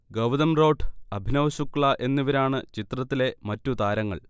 ഗൗതം റോഢ്, അഭിനവ് ശുക്ല എന്നിവരാണ് ചിത്രത്തിലെ മറ്റു താരങ്ങൾ